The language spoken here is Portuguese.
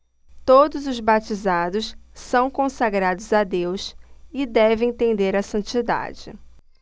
todos os batizados são consagrados a deus e devem tender à santidade